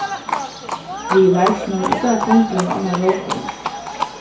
við í leikinum eru bara kongurin og annar rókurin